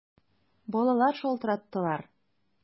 Балалар шалтыраттылар!